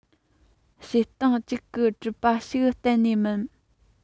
བྱེད ཐེངས གཅིག གིས འགྲུབ པ ཞིག གཏན ནས མིན